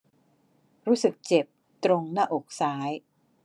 รู้สึกเจ็บตรงหน้าอกซ้าย